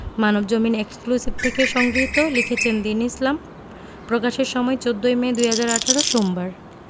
Manabzamin exclusive হতে সংগৃহীত লিখেছেনঃ দীন ইসলাম প্রকাশের সময় ১৪ মে ২০১৮ সোমবার